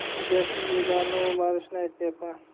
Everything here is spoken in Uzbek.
egasiz uylarni o'marishni aytyapman